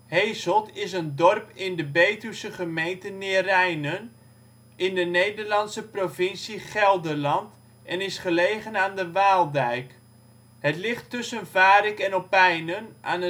Heesselt is een dorp in de Betuwse gemeente Neerijnen, in de Nederlandse provincie Gelderland en is gelegen aan de Waaldijk. Het ligt tussen Varik en Opijnen aan